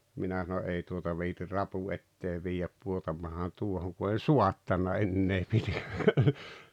minä sanon ei tuota viitsi rapun eteen viedä pudotanpahan tuohon kun en saattanut enää pitää